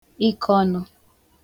ịkọ ọnụ̄